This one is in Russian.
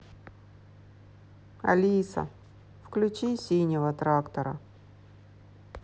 алиса включи синего трактора